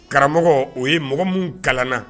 Karamɔgɔ o ye mɔgɔ minnu kalanna